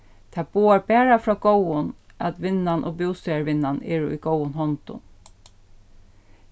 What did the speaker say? tað boðar bara frá góðum at vinnan og bústaðarvinnan eru í góðum hondum